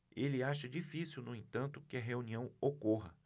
ele acha difícil no entanto que a reunião ocorra